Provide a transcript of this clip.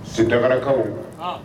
Sentakarakaw